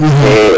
axa